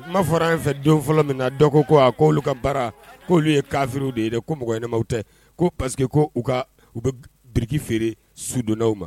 Kuma fɔra an fɛ don fɔlɔ min na dɔ ko a ko olu ka baara ko olu ye kafiriw de ye dɛ. Ko mɔgɔ ɲɛnamaw tɛ ko parceque ko u ka u bi biriki feere sudonnaw ma.